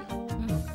Unɛ